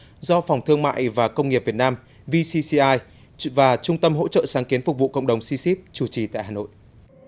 do phòng thương mại và công nghiệp việt nam vi xi xi ai và trung tâm hỗ trợ sáng kiến phục vụ cộng đồng xi síp chủ trì tại hà nội